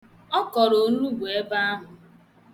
Ọ kọrọ onugbu ebe ahụ.